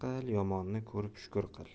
yomonni ko'rib shukur qil